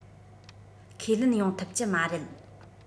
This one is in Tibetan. ཁས ལེན ཡོང ཐུབ ཀྱི མ རེད